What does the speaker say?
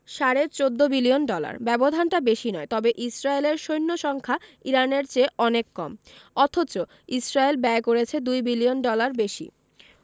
সাড়ে ১৪ billion dollar ব্যবধানটা বেশি নয় তবে ইসরায়েলের সৈন্য সংখ্যা ইরানের চেয়ে অনেক কম অথচ ইসরায়েল ব্যয় করছে ২ বিলিয়ন ডলার বেশি